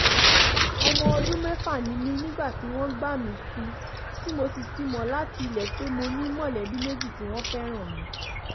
Ọmọ ọdún mẹ́fà ni mí nígbà tí wọ́n gbà mí sìn tí mo sì ti mọ̀ láti ilẹ̀ pé mo ní mọ̀lẹ́bí méjì tí wọ́n fẹ́ràn mi.